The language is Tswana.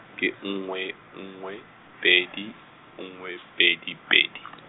ke nngwe nngwe, pedi, nngwe pedi pedi .